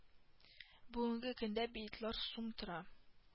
Бүгенге көндә билетлар сум тора